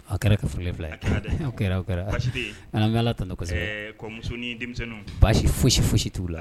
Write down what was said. Aw kɛra ka folilen fila yan aw kɛra kɛra an ala tɔ baasi foyisi foyisi t'u la